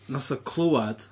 Wnaeth o clywed...